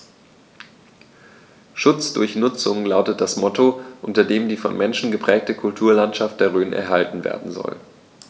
„Schutz durch Nutzung“ lautet das Motto, unter dem die vom Menschen geprägte Kulturlandschaft der Rhön erhalten werden soll.